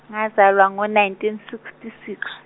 ngazalwa ngo- nineteen sixty six.